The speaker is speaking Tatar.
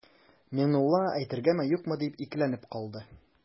Миңнулла әйтергәме-юкмы дип икеләнеп калды.